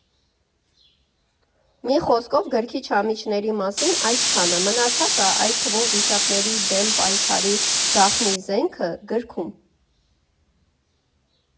Մի խոսքով՝ գրքի չամիչների մասին՝ այսքանը, մնացածը, այդ թվում՝ վիշապների դեմ պայքարի գաղտնի զենքը՝ գրքում։